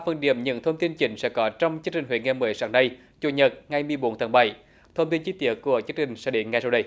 phần điểm những thông tin chính sẽ có trong chương trình huế ngày mới sáng nay chủ nhật ngày mười bốn tháng bảy thông tin chi tiết của chương trình sẽ đến ngay sau đây